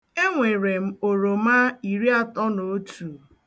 E nwere m oroma iri atọ na otu.